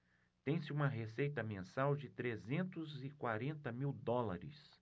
tem-se uma receita mensal de trezentos e quarenta mil dólares